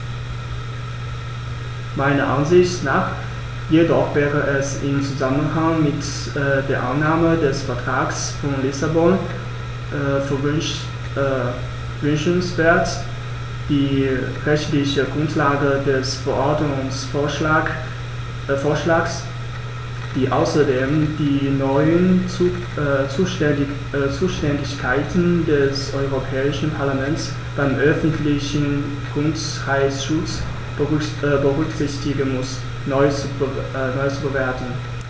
Meiner Ansicht nach jedoch wäre es im Zusammenhang mit der Annahme des Vertrags von Lissabon wünschenswert, die rechtliche Grundlage des Verordnungsvorschlags, die außerdem die neuen Zuständigkeiten des Europäischen Parlaments beim öffentlichen Gesundheitsschutz berücksichtigen muss, neu zu bewerten.